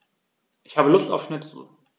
Ich habe Lust auf Schnitzel.